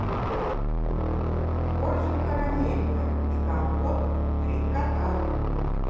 коржик карамелька и компот три кота